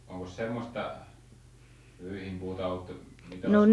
- onkos semmoista vyyhdinpuuta ollut mikä olisi